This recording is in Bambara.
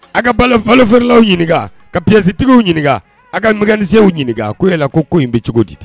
A ka balafaflaw ɲininka ka pzsitigiww ɲininka a ka manisisew ɲininka k ko yala la ko ko in bɛ cogo di tɛ